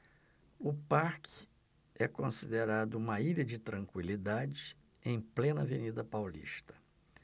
o parque é considerado uma ilha de tranquilidade em plena avenida paulista